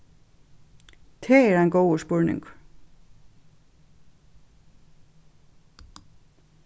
tað er ein góður spurningur